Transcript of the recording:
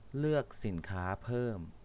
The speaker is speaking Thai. เลือกสินค้าเพิ่ม